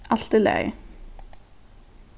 alt í lagi